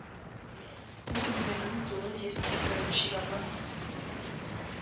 Ул инде мең тугыз йөз кырык беренче елның